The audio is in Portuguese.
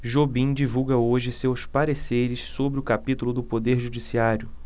jobim divulga hoje seus pareceres sobre o capítulo do poder judiciário